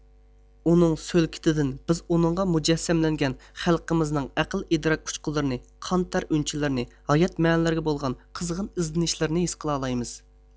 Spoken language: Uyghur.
ئۇنىڭ سۆلكىتىدىن بىز ئۇنىڭغا مۇجەسسەملەنگەن خەلقىمىزنىڭ ئەقىل ئىدراك ئۇچقۇنلىرىنى قان تەر ئۈنچىلىرىنى ھايات مەنىلىرىگە بولغان قىزغىن ئىزدىنىشلىرىنى ھېس قىلالايمىز